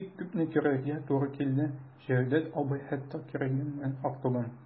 Бик күпне күрергә туры килде, Җәүдәт абый, хәтта кирәгеннән артыгын...